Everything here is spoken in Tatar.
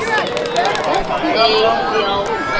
Вәт син әй, дриау